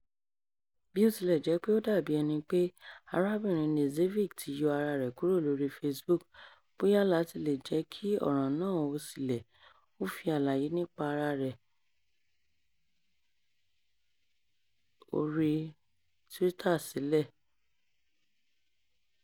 Bíótilẹ̀jẹ́pé ó dàbí ẹni pé arábìnrin Knežević ti yọ ara rẹ̀ kúrò lórí Facebook, bóyá láti lè jẹ́ kí ọ̀ràn náà ó silẹ̀, ó fi àlàyé-nípa-ara rẹ̀ orí Twitter sílẹ̀.